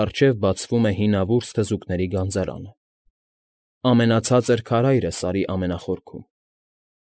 Առջև բացվում է հինավուրց թզուկների գանձարանը՝ ամենացածր քարայրը Սարի ամենախորքում։